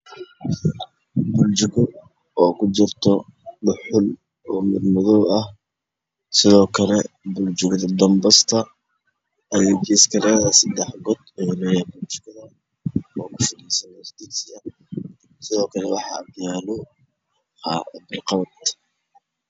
Bur jiko ay ku jirto dhuxul mad madow ah sidoo kale waxa ay ledahay sedax god